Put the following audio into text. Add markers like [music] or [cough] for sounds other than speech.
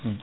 [hesitation] [hesitation]